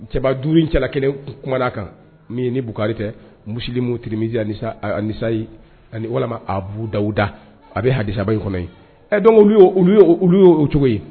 Cɛba duuru in cɛla kelen kumana a kan min ni Bukari tɛ, Muslimu tɛ, tirmisi, Anisaayi anii walima Abu Dawuda a bɛ hadisa ba in kɔnɔ ɛɛ dɔnc min y' o min olu yo'lu ye o cogo ye